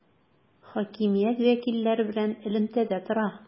Хакимият вәкилләре белән элемтәдә тора.